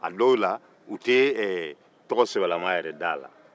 a dɔw la u tɛ tɔgɔ sɛbɛlaman yɛrɛ d'a la